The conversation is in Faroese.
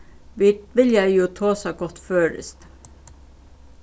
vit vilja jú tosa gott føroyskt